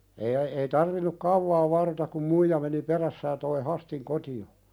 ei - ei tarvinnut kauaa varrota kun muija meni perässä ja tuon Hästin kotiin